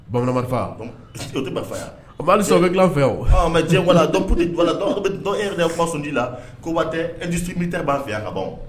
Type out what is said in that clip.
Bamanan marfa bon o tɛ marfa ya bon ali san e o bɛ glan anw fɛ yan oo, onn mais din yen voilà donc ee voilà don cours de don e yɛrɛ de ya kuman son nila, ko wari tɛ, industrie militaire b'an fɛ yan ka ban oo.